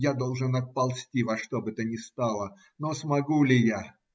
Я должен отползти во что бы то ни стало. Но смогу ли я?